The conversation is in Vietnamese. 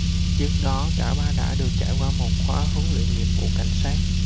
trước đó cả ba đã được trải qua một khóa huấn luyện nghiệp vụ cảnh sát